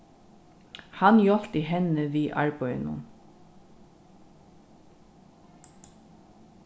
hann hjálpti henni við arbeiðinum